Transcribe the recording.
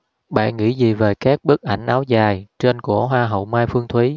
bạn nghĩ gì về các bức ảnh áo dài trên của hoa hậu mai phương thúy